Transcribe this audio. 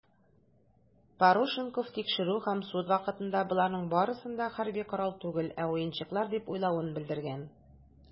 Парушенков тикшерү һәм суд вакытында, боларның барысын да хәрби корал түгел, ә уенчыклар дип уйлавын белдергән.